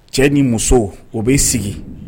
Cɛ ni muso o bɛ'i sigi